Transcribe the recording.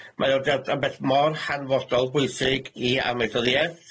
Mae o' jys' yn beth mor hanfodol bwysig i amaethyddieth.